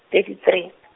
thirty three .